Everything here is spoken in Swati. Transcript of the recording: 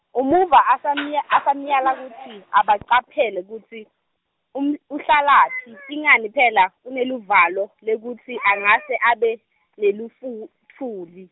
Umuva asamya- asamyala kutsi, abocaphela kutsi, um-, uhlalaphi, ingani phela, uneluvalo, lwekutsi angase abe, nelufu- tfuli.